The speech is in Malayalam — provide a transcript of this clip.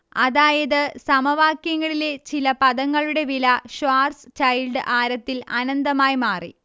അതായത് സമവാക്യങ്ങളിലെ ചില പദങ്ങളുടെ വില ഷ്വാർസ്ചൈൽഡ് ആരത്തിൽ അനന്തമായി മാറി